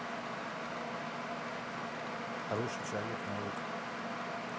хороший человек наука